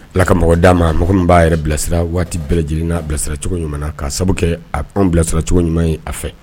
Ala ka mɔgɔ d'a ma mɔgɔ minnu b'a yɛrɛ bilasira waati bɛɛ lajɛlen' bilasirara cogo ɲuman na ka sababu kɛ anw bilasiraracogo ɲuman ye a fɛ